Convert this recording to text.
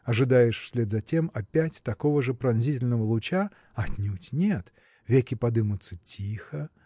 Ожидаешь вслед за тем опять такого же пронзительного луча – отнюдь нет! веки подымутся тихо